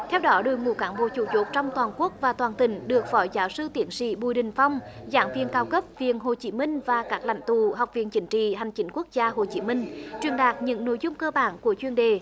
theo đó đội ngũ cán bộ chủ chốt trong toàn quốc và toàn tỉnh được phó giáo sư tiến sĩ bùi đình phong giảng viên cao cấp viện hồ chí minh và các lãnh tụ học viện chính trị hành chính quốc gia hồ chí minh truyền đạt những nội dung cơ bản của chuyên đề